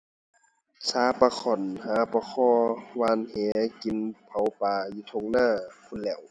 สระปลาข้อน หาปลาข่อ หว่านแห กินเผาปลาอยู่ทุ่งนาพู้นแหล้ว